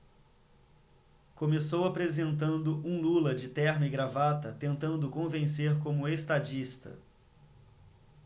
começou apresentando um lula de terno e gravata tentando convencer como estadista